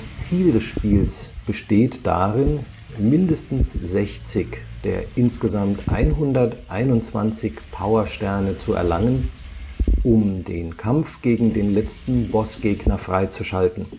Ziel des Spiels besteht darin, mindestens 60 der insgesamt 121 Powersterne zu erlangen, um den Kampf gegen den letzten Bossgegner freizuschalten